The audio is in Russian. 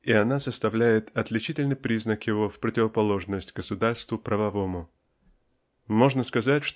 и она составляет отличительный признак его в противоположность государству правовому. Можно сказать